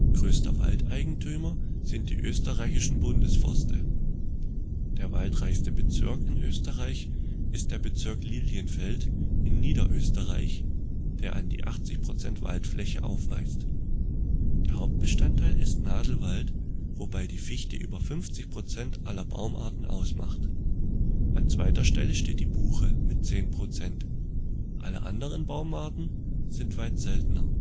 Größter Waldeigentümer sind die österreichischen Bundesforste. Der waldreichste Bezirk in Österreich ist der Bezirk Lilienfeld in Niederösterreich, der an die 80 % Waldfläche aufweist. Der Hauptteil ist Nadelwald, wobei die Fichte über 50 % aller Baumarten ausmacht. An zweiter Stelle steht die Buche mit 10 %, alle anderen Baumarten sind weit seltener